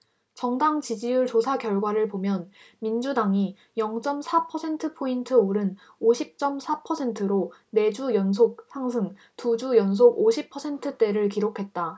정당 지지율 조사결과를 보면 민주당이 영 쩜 사 퍼센트포인트 오른 오십 쩜 사 퍼센트로 네 주 연속 상승 두 주 연속 오십 퍼센트대를 기록했다